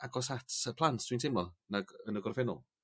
agos at y plant dwi'n teimlo nag yn y gorffennol.